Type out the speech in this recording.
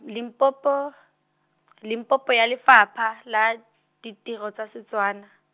Limpopo , Limpopo ya Lefapha la , Ditiro tsa Setswana.